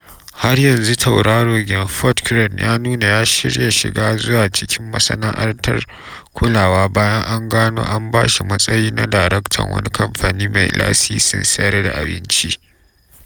Har yanzu tauraro Game Ford Kieran ya nuna ya shirya shiga zuwa cikin masana’antar kulawa bayan an gano an ba shi matsayi na daraktan wani kamfani mai lasisin sayar da abinci.